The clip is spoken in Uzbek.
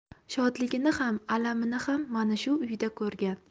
shodligini ham alamini ham mana shu uyda ko'rgan